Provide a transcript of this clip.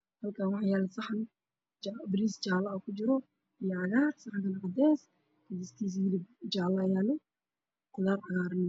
Halkaan waxaa yaalo dugsi uu ku jiro bariis jaale ah oo saaran kaftar caleen